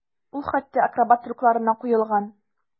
Ул хәтта акробат трюкларына куелган.